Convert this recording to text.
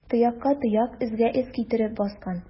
Тоякка тояк, эзгә эз китереп баскан.